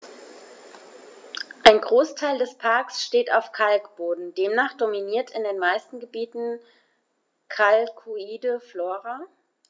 Ein Großteil des Parks steht auf Kalkboden, demnach dominiert in den meisten Gebieten kalkholde Flora.